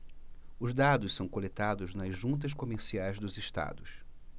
os dados são coletados nas juntas comerciais dos estados